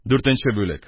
Дүртенче бүлек